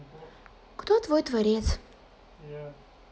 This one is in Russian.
кто твой творец